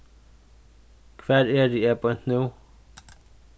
hvar eri eg beint nú